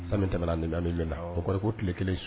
San tɛmɛ nin bɛna oɔr ko tile kelen so